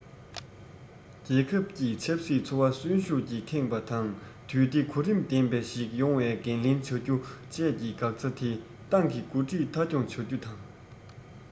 རྒྱལ ཁབ ཀྱི ཆབ སྲིད འཚོ བ གསོན ཤུགས ཀྱིས ཁེངས པ དང དུས བདེ གོ རིམ ལྡན པ ཞིག ཡོང བའི འགན ལེན བྱ རྒྱུ བཅས ཀྱི འགག རྩ དེ ཏང གི འགོ ཁྲིད མཐའ འཁྱོངས བྱ རྒྱུ དང